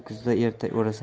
kuzda erta o'rasan